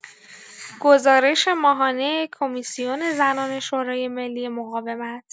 گزارش ماهانه کمیسیون زنان شورای‌ملی مقاومت